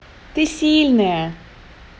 ты сильная